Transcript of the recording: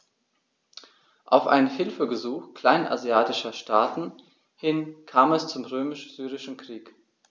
Auf ein Hilfegesuch kleinasiatischer Staaten hin kam es zum Römisch-Syrischen Krieg.